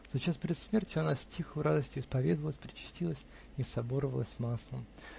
За час перед смертью она с тихою радостью исповедалась, причастилась и соборовалась маслом.